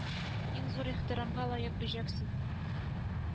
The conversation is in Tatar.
Иң зур ихтирамга лаек бөҗәк син